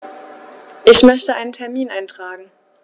Ich möchte einen Termin eintragen.